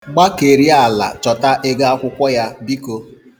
Gbakerie ala chọta ego akwụkwọ ya biko.